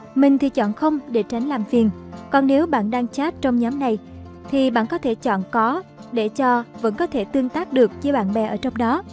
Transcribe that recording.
mình thì chọn không để tránh làm phiền còn nếu bạn đang chat trong nhóm này thì bạn có thể chọn có để cho vẫn có thể tương tác được với bạn bè ở trong đó